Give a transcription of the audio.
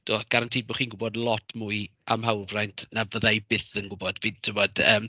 Timod guaranteed bo' chi'n gwbod lot mwy am hawlfraint na fydda i byth yn gwbod fi timod yym.